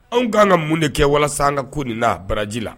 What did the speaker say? Anw k kanan ka mun de kɛ walasa an ka ko nin na baraji la